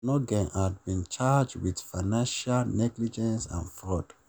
Onnoghen had been charged with financial negligence and fraud.